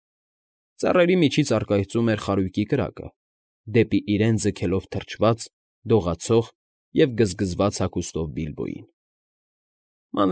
Ծառերի միջից առկայծում էր խարույկի կրակը՝ դեպի իրեն ձգելով թրջված, դողացող և գզգզված հագուստով Բիլբոյին։